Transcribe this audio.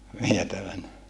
vietävänä